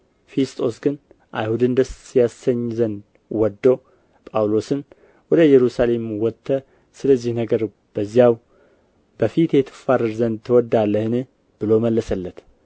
ፊስጦስ ግን አይሁድን ደስ ያሰኝ ዘንድ ወዶ ጳውሎስን ወደ ኢየሩሳሌም ወጥተህ ስለዚህ ነገር ከዚያው በፊቴ ትፋረድ ዘንድ ትወዳለህን ብሎ መለሰለት